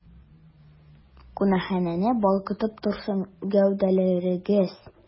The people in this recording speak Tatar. Кунакханәне балкытып торсын гәүдәләрегез!